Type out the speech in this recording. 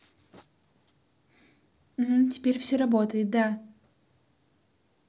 угу все теперь работает да